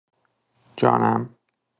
جانم؟!